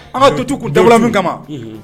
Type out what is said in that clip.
An ka totu kun dawuwula min kama